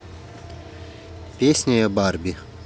песня я барби